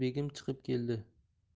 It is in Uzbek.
begim chiqib keldi